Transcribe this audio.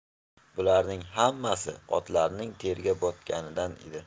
bularning hammasi otlarning terga botganidan edi